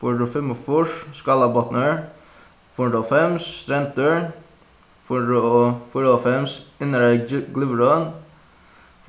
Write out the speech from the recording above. fýra hundrað og fimmogfýrs skálabotnur fýra hundrað og hálvfems strendur fýra hundrað og fýraoghálvfems innara glyvrum